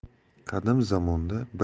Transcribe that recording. qadim zamonda bir